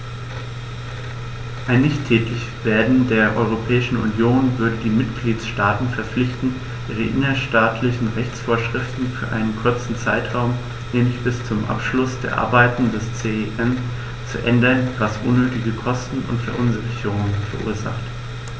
Ein Nichttätigwerden der Europäischen Union würde die Mitgliedstaten verpflichten, ihre innerstaatlichen Rechtsvorschriften für einen kurzen Zeitraum, nämlich bis zum Abschluss der Arbeiten des CEN, zu ändern, was unnötige Kosten und Verunsicherungen verursacht.